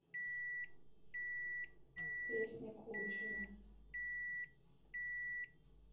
песни кучина